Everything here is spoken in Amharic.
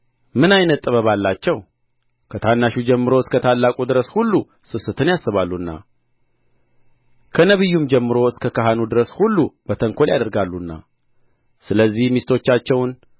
ምን ዓይነት ጥበብ አላቸው ከታናሹ ጀምሮ እስከ ታላቁ ድረስ ሁሉ ስስትን ያስባሉና ከነቢዩም ጀምሮ እስከ ካህኑ ድረስ ሁሉ በተንኰል ያደርጋሉና ስለዚህ ሚስቶቻቸውን